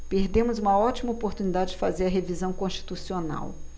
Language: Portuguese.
perdemos uma ótima oportunidade de fazer a revisão constitucional